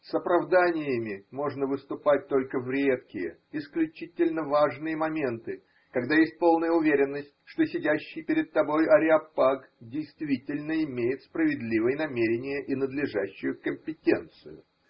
С оправданиями можно выступать только в редкие, исключительно важные моменты, когда есть полная уверенность, что сидящий пред тобою ареопаг действительно имеет справедливые намерения и надлежащую компетенцию.